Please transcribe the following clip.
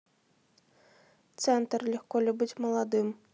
центр легко ли быть молодым